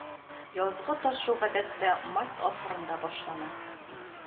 Язгы ташу, гадәттә, март ахырында башлана